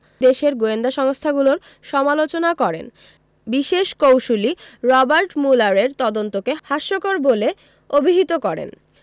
দেশের গোয়েন্দা সংস্থাগুলোর সমালোচনা করেন বিশেষ কৌঁসুলি রবার্ট ম্যুলারের তদন্তকে হাস্যকর বলে অভিহিত করেন